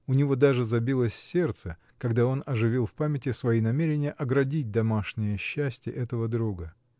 У него даже забилось сердце, когда он оживил в памяти свои намерения оградить домашнее счастье этого друга.